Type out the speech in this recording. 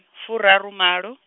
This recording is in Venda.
furarumalo.